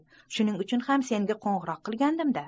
shuning uchun ham senga qo'ng'iroq qilgandim da